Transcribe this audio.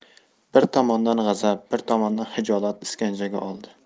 bir tomondan g'azab bir tomondan xijolat iskanjaga oldi